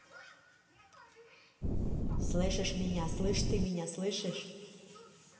слышишь меня слышь ты меня слышишь